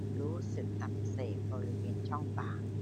รู้สึกอักเสบบริเวณช่องปาก